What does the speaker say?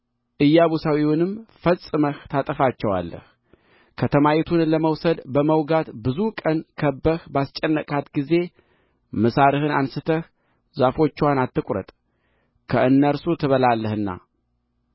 ኢያቡሳዊውንም ፈጽመህ ታጠፋቸዋለህ ከተማይቱን ለመውሰድ በመውጋት ብዙ ቀን ከብበህ ባስጨነቅሃት ጊዜ ምሳርህን አንሥተህ ዛፎችዋን አትቍረጥ ከእነርሱ ትበላለህና